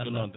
ko noon tan